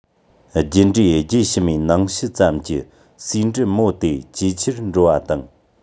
རྒྱུད འདྲེས རྒྱུད ཕྱི མའི ནང ཤུལ ཙམ གྱི ཟེའུ འབྲུ མོ དེ ཇེ ཆེར འགྲོ བ དང